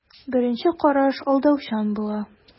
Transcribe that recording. Беренче караш алдаучан була.